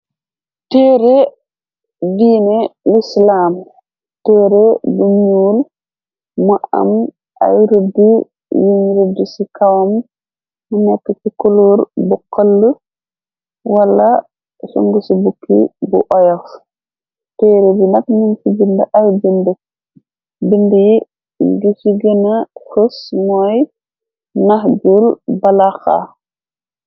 Teere bii ni lu islaam tere bu ñuul. Mu am ay rëddi yuñ rëdd ci kawam mu nekk ci culoor bu xoll lu wala sung ci bukki bu oils. Teere bi nat num ci gind aw bind bind yi gi ci gëna kës mooy nax jul balaxa.